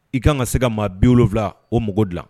I ka kan ka se ka maa biwula o mako dilan